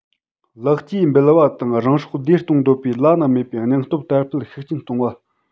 ལེགས སྐྱེས འབུལ བ དང རང སྲོག བློས གཏོང འདོད པའི བླ ན མེད པའི སྙིང སྟོབས དར སྤེལ ཤུགས ཆེན གཏོང བ